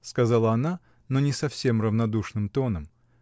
— сказала она, но не совсем равнодушным тоном.